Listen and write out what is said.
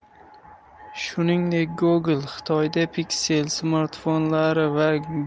shuningdek google xitoyda pixel smartfonlari va